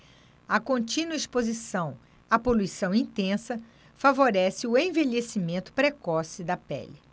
a contínua exposição à poluição intensa favorece o envelhecimento precoce da pele